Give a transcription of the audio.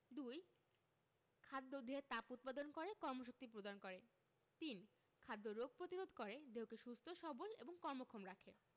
২. খাদ্য দেহে তাপ উৎপাদন করে কর্মশক্তি প্রদান করে ৩. খাদ্য রোগ প্রতিরোধ করে দেহকে সুস্থ সবল এবং কর্মক্ষম রাখে